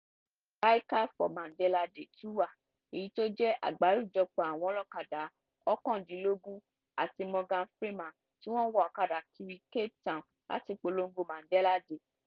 “Bikers for Mandela Day” tún wà – èyí tó jẹ́ àgbáríjọpọ̀ àwọn ọlọ́kadà 21 (àti Morgan Freeman) tí wọ́n ń wá ọ̀kadà kiri Cape Town láti polongo Mandela Day.